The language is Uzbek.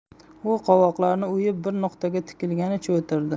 u qovoqlarini uyub bir nuqtaga tikilganicha o'tirdi